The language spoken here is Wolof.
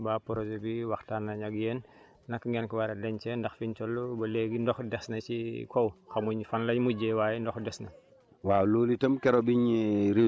si wàllu góob bi ngeen góob est ce que waa projet bi waxtaan nañ ak yéen naka ngeen ko war a dencee ndax fiñ toll ba léegi ndox des na ci kaw xamuñ fan lay mujjee waaye ndox des na